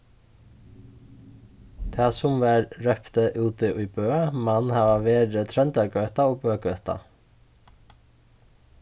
tað sum var rópti úti í bø man hava verið tróndargøta og bøgøta